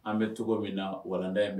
An bɛ cogo min na walanda